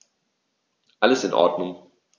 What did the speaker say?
Alles in Ordnung.